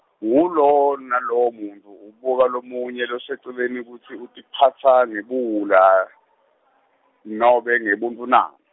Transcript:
ngulowo nalowo muntfu ubuka lomunye loseceleni kutsi utiphatsa ngebuwula , nobe ngebuntfu na?